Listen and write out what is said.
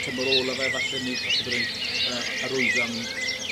tymor ola fe falle neu fall bod e'n yy arwyddo am